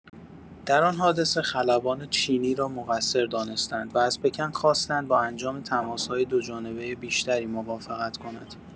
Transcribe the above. در آن حادثه، خلبان چینی را مقصر دانستند و از پکن خواستند با انجام تماس‌های دوجانبه بیشتری موافقت کند.